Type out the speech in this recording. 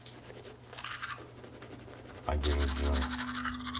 а где же джой